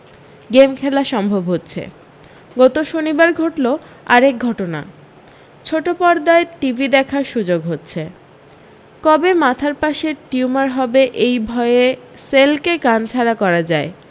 game খেলা সম্ভব হচ্ছে গত শনিবার ঘটল আর একটা ঘটনা ছোট্ট পর্দায় টিভি দেখার সু্যোগ হচ্ছে কবে মাথার পাশে টিউমার হবে এই ভয়ে সেলকে কানছাড়া করা যায়